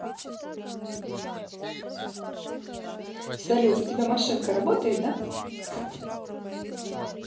салют у тебя машинка работает да